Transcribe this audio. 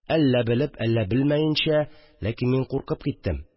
Әллә белеп, әллә белмәенчә, ләкин мин куркып киттем